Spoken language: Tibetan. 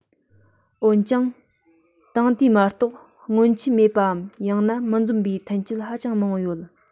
འོན ཀྱང དེང དུས མ གཏོགས སྔོན ཆད མེད པའམ ཡང ན མི འཛོམས པའི མཐུན རྐྱེན ཧ ཅང མང པོ ཡོད